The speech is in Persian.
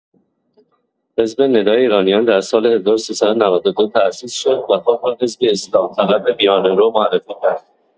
حزب ندای ایرانیان در سال ۱۳۹۲ تأسیس شد و خود را حزبی اصلاح‌طلب میانه‌رو معرفی کرد.